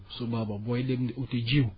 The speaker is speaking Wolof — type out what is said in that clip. su booba booy dem di uti jiwu